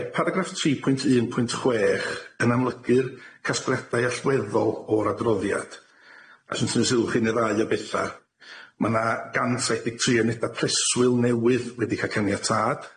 Reit paragraff tri pwynt un pwynt chwech yn amlygu'r casgliadau allweddol o'r adroddiad a sy'n tynnu sylw chi i un ne' ddau o betha ma' 'na gan saith deg tri unedau preswyl newydd wedi ca'l caniatâd.